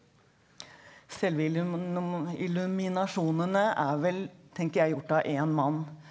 selve illuminasjonene er vel tenker jeg gjort av én mann.